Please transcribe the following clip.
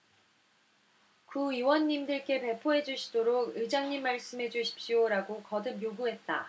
구의원님들께 배포해 주시도록 의장님 말씀해 주십시오라고 거듭 요구했다